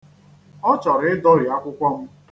Ọ chọrọ ịdọri akwụkwọ m.